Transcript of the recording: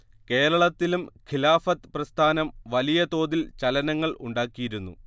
കേരളത്തിലും ഖിലാഫത്ത് പ്രസ്ഥാനം വലിയ തോതിൽ ചലനങ്ങൾ ഉണ്ടാക്കിയിരുന്നു